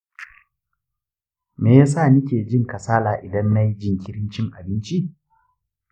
me yasa nike jin kasala idan nayi jinkirin cin abinci?